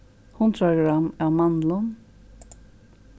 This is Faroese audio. hundrað gramm av mandlum